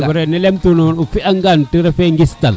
c' est vrai: ne lem tona o fi a ngan te ref te ngistal